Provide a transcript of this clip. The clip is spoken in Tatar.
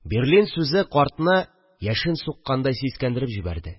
«берлин» сүзе картны яшен суккандай сискәндереп җибәрде